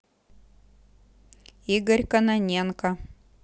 игорь кононенко